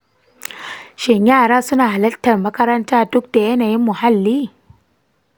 shin yara suna halartar makaranta duk da yanayin muhalli?